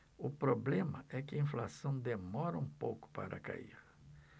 o problema é que a inflação demora um pouco para cair